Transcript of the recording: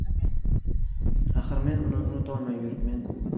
axir men uni unutolmay yuribmen ku